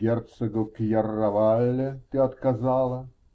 -- Герцогу Кьяравалле ты отказала.